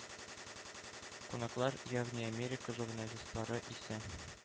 Кунаклар, ягъни америка журналистлары исә